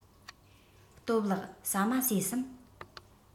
སྟོབས ལགས ཟ མ ཟོས སམ